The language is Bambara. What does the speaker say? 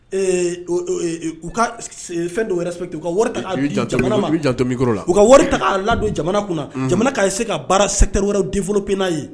Eee u ka fɛn dɔw u ka la u ka wari ta' la don jamana kunna jamana ka ye se ka baara sɛta wɛrɛ denoro pe n'a ye